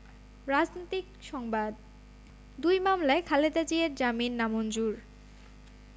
রাজনৈতিক সংবাদ দুই মামলায় খালেদা জিয়ার জামিন নামঞ্জুর